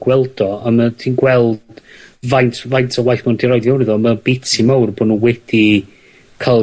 gweld o, a mae o'n ti'n gweld faint, faint o waith ma' nw 'di roid fewn i fo ma'n biti mowr bo' nw wedi ca'l...